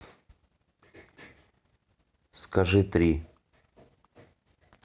скажи три